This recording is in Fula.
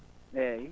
eeyi